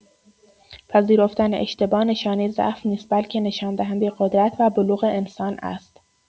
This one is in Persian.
پذیرفتن اشتباه، نشانه ضعف نیست، بلکه نشان‌دهنده قدرت و بلوغ انسان است.